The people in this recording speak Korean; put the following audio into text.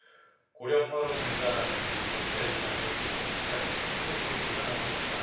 고령화로 증가하는 육십 대 이상이 주택 시장의 큰손으로 부상하고 있다